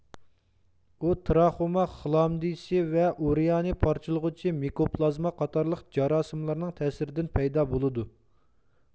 ئۇ تراخوما خىلامديىسى ۋە ئۇرېئانى پارچىلىغۇچى مىكوپلازما قاتارلىق جاراسىملارنىڭ تەسىرىدىن پەيدا بولىدۇ